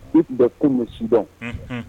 I tun bɛ comme Sudan